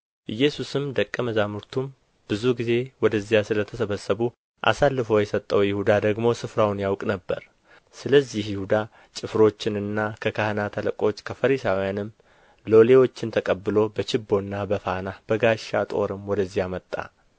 ኢየሱስም ደቀ መዛሙርቱም ብዙ ጊዜ ወደዚያ ስለ ተሰበሰቡ አሳልፎ የሰጠው ይሁዳ ደግሞ ስፍራውን ያውቅ ነበር ስለዚህ ይሁዳ ጭፍሮችንና ከካህናት አለቆች ከፈሪሳውያንም ሎሌዎችን ተቀብሎ በችቦና በፋና በጋሻ ጦርም ወደዚያ መጣ